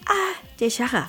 A tɛ ska